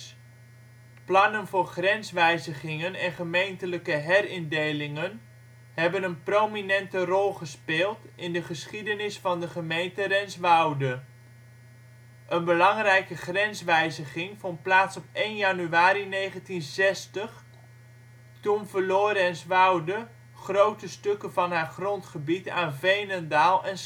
Plannen voor grenswijzigingen en gemeentelijke herindelingen hebben een prominente rol gespeeld in de geschiedenis van de gemeente Renswoude. Een belangrijke grenswijziging vond plaats op 1 januari 1960. Toen verloor Renswoude grote stukken van haar grondgebied aan Veenendaal en